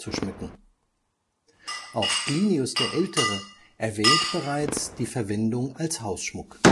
schmücken. Auch Plinius der Ältere erwähnt bereits die Verwendung als Hausschmuck